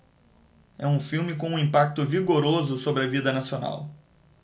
é um filme com um impacto vigoroso sobre a vida nacional